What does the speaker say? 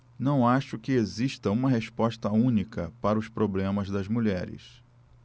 não acho que exista uma resposta única para os problemas das mulheres